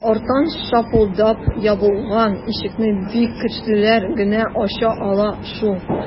Арттан шапылдап ябылган ишекне бик көчлеләр генә ача ала шул...